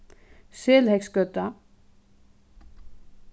selheygsgøta